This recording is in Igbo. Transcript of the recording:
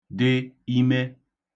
dị ime